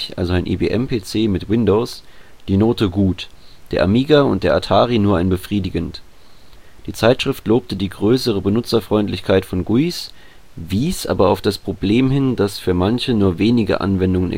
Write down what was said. also ein IBM-PC, mit Windows) die Note gut, der Amiga und der Atari nur ein befriedigend. Die Zeitschrift lobte die größere Benutzerfreundlichkeit von GUIs, wies aber auf das Problem hin, dass für manche nur wenige Anwendungen existieren